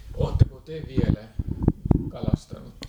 oletteko te vielä kalastanut